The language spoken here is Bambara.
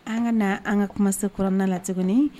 An ka na an ka kumaso kɔnɔna la tuguni